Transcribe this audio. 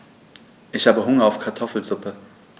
Ich habe Hunger auf Kartoffelsuppe.